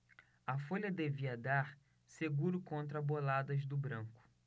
a folha devia dar seguro contra boladas do branco